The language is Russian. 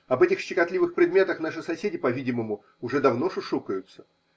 Об этих щекотливых предметах наши соседи, по-видимому, уже давно шушукаются.